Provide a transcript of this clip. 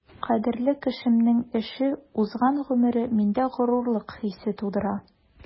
Кадерле кешемнең эше, узган гомере миндә горурлык хисе тудыра.